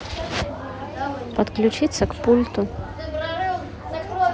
подключиться к пульту